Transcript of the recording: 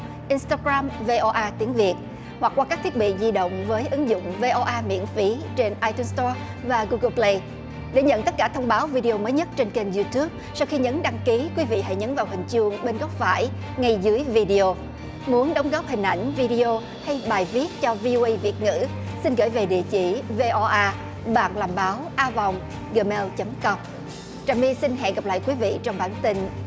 in ta ram vê o a tiếng việt hoặc qua các thiết bị di động với ứng dụng vê o a miễn phí trên ai tun to và gu gồ pờ lây để nhận tất cả thông báo vi đi ô mới nhất trên kênh diu túp sau khi nhấn đăng ký quý vị hãy nhấn vào hình chuông bên góc phải ngay dưới vi đê ô muốn đóng góp hình ảnh vi đê ô hay bài viết cho vi ô ây việt ngữ xin gửi về địa chỉ vê o a bạn làm báo a vòng gờ meo chấm com trà my xin hẹn gặp lại quý vị trong bản tin